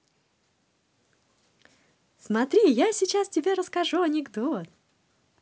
смотри я сейчас тебе расскажу анекдот